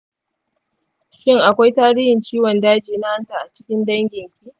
shin akwai tarihin ciwon daji na hanta a cikin danginki?